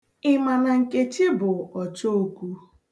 Ị ma na Nkechi bụ ọchookwu?